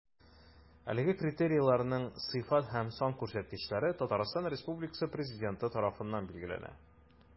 Әлеге критерийларның сыйфат һәм сан күрсәткечләре Татарстан Республикасы Президенты тарафыннан билгеләнә.